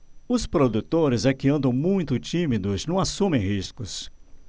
os produtores é que andam muito tímidos não assumem riscos